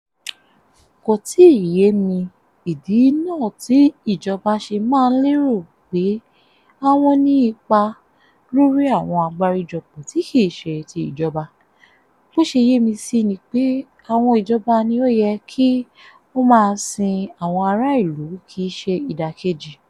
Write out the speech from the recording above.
Kò tíì yé mi ìdí náà tí ìjọba ṣe máa ń lérò pé àwọ́n ní ipá lórí àwọn àgbáríjọpọ̀ tí kìí ṣe ti ìjọba, bó ṣe yé mi sí ni pé awọn ìjọba ni ó yẹ kí ó máa sin àwọn ará ilú kìí ṣe ìdàkejì.